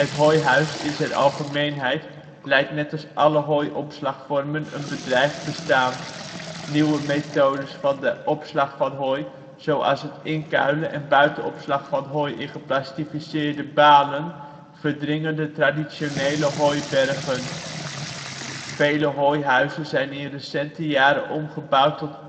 hooihuis in zijn algemeenheid leidt net als alle hooiopslagvormen een bedreigd bestaan. Nieuwe methodes van de opslag van hooi, zoals het inkuilen en buitenopslag van hooi in geplastificeerde balen (olifantsdrollen), verdringen de traditionele hooibergen. Vele hooihuizen zijn in recente jaren omgebouwd tot